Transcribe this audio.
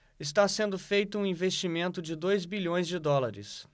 está sendo feito um investimento de dois bilhões de dólares